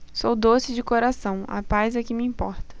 sou doce de coração a paz é que me importa